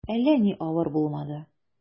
Әллә ни авыр булмады.